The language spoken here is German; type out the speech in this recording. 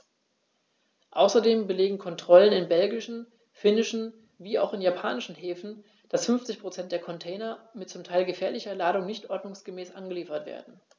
Außerdem belegen Kontrollen in belgischen, finnischen wie auch in japanischen Häfen, dass 50 % der Container mit zum Teil gefährlicher Ladung nicht ordnungsgemäß angeliefert werden.